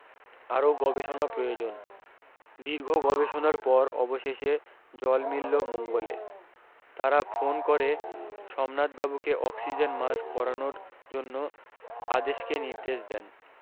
আরও গবেষণা প্রয়োজন দীর্ঘ গবেষণার পর অবশেষে জল মিলল মঙ্গলে তারা ফোন করে সোমনাথবাবুকে অক্সিজেন মাস্ক পরানোর জন্য আদেশকে নির্দেশ দেন